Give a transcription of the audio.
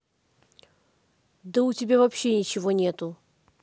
да у тебя вообще ничего нету